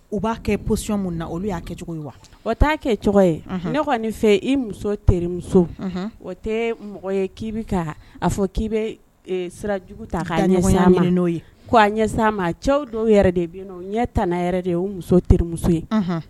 U b'a kɛsiy min na olu y'a kɛcogo ye wa o t' kɛ cogo ye fɛ i muso terimuso o tɛ mɔgɔ ye k'i bɛ ka a fɔ k'i bɛ sira jugu ta n'o ye k'a ɲɛ ma cɛw don yɛrɛ de bɛ ɲɛ tan yɛrɛ de ye o muso terimuso ye